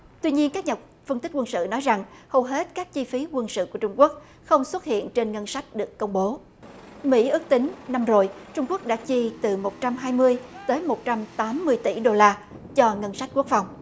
tuy nhiên các nhà phân tích quân sự nói rằng hầu hết các chi phí quân sự của trung quốc không xuất hiện trên ngân sách được công bố mỹ ước tính năm rồi trung quốc đã chi từ một trăm hai mươi tới một trăm tám mươi tỷ đô la cho ngân sách quốc phòng